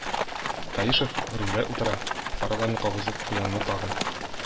Таишев рульгә утыра, фараларны кабызып куянны тагын